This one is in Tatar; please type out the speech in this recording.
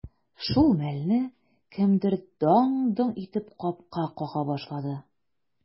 Шул мәлне кемдер даң-доң итеп капка кага башлады.